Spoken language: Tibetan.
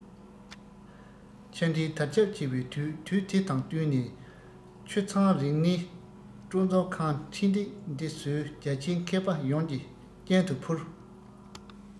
ཆ འཕྲིན དར ཁྱབ ཆེ བའི དུས དུས དེ དང བསྟུན ནས ཆུ ཚང རིག གནས སྤྲོ འཛོམས ཁང འཕྲིན སྟེགས འདི བཟོས རྒྱ ཆེའི མཁས ལྡན པ ཡོངས ཀྱི སྤྱན དུ ཕུལ